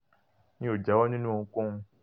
"Mi ò jáwọ́ nínú ohunkóhun".